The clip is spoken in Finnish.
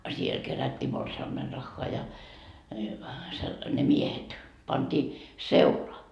siellä kerättiin morsiamenrahaa ja se ne miehet pantiin seula